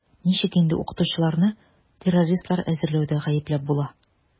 Ничек инде укытучыларны террористлар әзерләүдә гаепләп була?